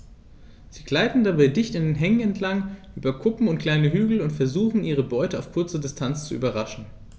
Sie gleiten dabei dicht an Hängen entlang, über Kuppen und kleine Hügel und versuchen ihre Beute auf kurze Distanz zu überraschen.